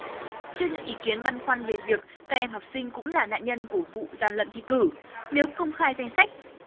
trước những ý kiến băn khoăn về việc các em học sinh cũng là nạn nhân của vụ gian lận thi cử nếu công khai danh sách